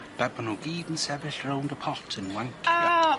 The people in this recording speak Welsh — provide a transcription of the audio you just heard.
Bet bo' nw gyd yn sefyll rownd y pot yn wancio.